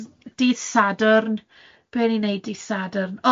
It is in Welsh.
...oedd yym dydd Sadwrn be o'n i'n 'neud dydd Sadwrn?